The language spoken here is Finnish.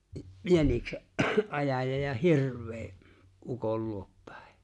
jäniksen ajaja ja hirveä ukon luo päin